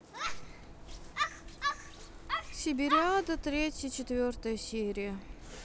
сибириада третья четвертая серия